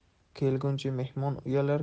kelguncha mehmon uyalar